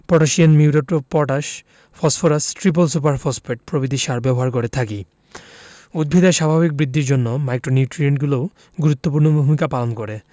potassium muriate of potash phosphorus triple super phosphate প্রভৃতি সার ব্যবহার করে থাকি উদ্ভিদের স্বাভাবিক বৃদ্ধির জন্য মাইক্রোনিউট্রিয়েন্টগুলোও গুরুত্বপূর্ণ ভূমিকা পালন করে